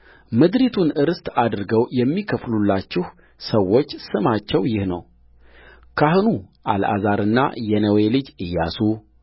ምድሪቱን ርስት አድርገው የሚከፍሉላችሁ ሰዎች ስማቸው ይህ ነው ካህኑ አልዓዛርና የነዌ ልጅ ኢያሱ